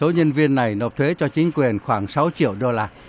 số nhân viên này nộp thuế cho chính quyền khoảng sáu triệu đô la